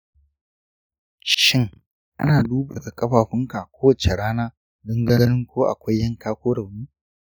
shin kana duba ƙafafunka kowace rana don ganin ko akwai yanka ko rauni?